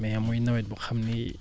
mais muy nawet boo xam ni